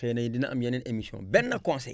xëy na dina am yeneen émissions benn conseil